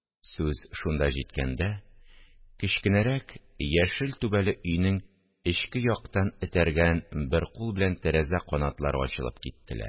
Сүз шунда җиткәндә, кечкенәрәк яшел түбәле өйнең эчке яктан этәргән бер кул белән тәрәзә канатлары ачылып киттеләр